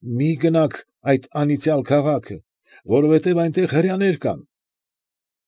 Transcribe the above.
Մի՛ գնաք այդ անիծյալ քաղաքը, որովհետև այնտեղ հրեաներ կան։